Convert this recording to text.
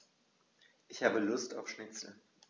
Ich habe Lust auf Schnitzel.